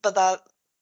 Bydda